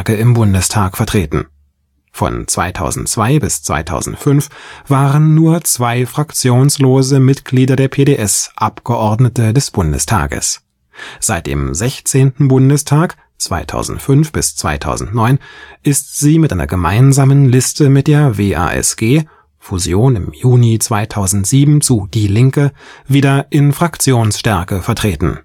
im Bundestag vertreten. Von 2002 bis 2005 waren nur zwei fraktionslose Mitglieder der PDS Abgeordnete des Bundestages. Seit dem 16. Bundestag (2005 — 2009) ist sie mit einer gemeinsamen Liste mit der WASG (Fusion im Juni 2007 zu Die Linke) wieder in Fraktionsstärke vertreten